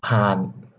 ผ่าน